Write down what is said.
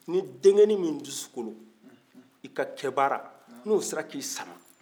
ni den kɛ nin min dusukolo i ka kɛ baara ni o sera ka i sara